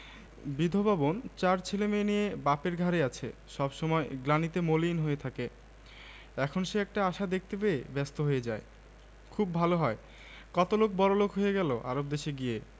আমরা কিচ্ছু টেরই পেলাম না তোর বন্ধুরা খোঁজ করতে এসেছিলো বাদশা মৃদু মৃদু হাসে আবার তার স্বপ্নের ঘোর লাগে আবার সে রহস্যময় হয়ে উঠে